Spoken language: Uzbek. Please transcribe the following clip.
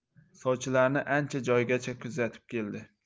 sovchilarni ancha joygacha kuzatib keldi